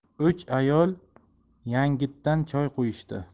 uch ayol yangitdan choy qo'yishdi